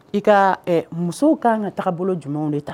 I ka musow ka kan ka taabolo bolo jumɛnw de ta